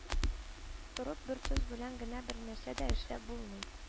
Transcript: Торып, бер тоз белән генә бернәрсә дә эшләп булмый